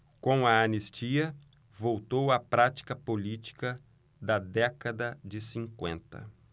com a anistia voltou a prática política da década de cinquenta